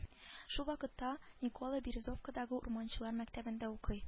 Шул вакытта николо-березовкадагы урманчылар мәктәбендә укый